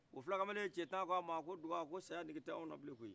fulakamalen cɛ tan ko a ma ko duga saya nege tɛ anw na bile koyi